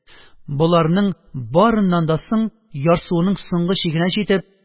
Боларның барыннан да соң, ярсуының соңгы чигенә җитеп: